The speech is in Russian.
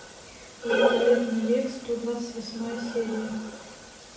великолепный век сто двадцать восьмая серия